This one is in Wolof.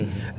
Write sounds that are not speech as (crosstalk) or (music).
(hesitation) (hesitation)